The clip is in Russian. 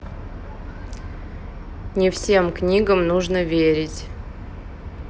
не всем книгам нужно верить